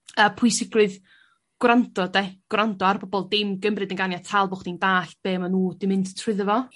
A pwysigrwydd gwrando 'de gwrando ar bobol dim gymryd yn ganiataol bo' chdi'n da'll be' ma' nw 'di mynd trwyddo fo.